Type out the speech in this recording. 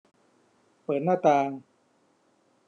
เปิดหน้าต่าง